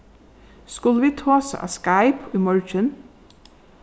skulu vit tosa á skype í morgin